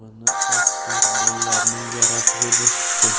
bolalarning yarasiga bosishibdi